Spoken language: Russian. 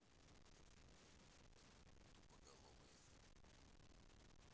тупоголовая